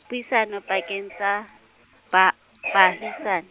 puisano pakeng tsa, baahisani.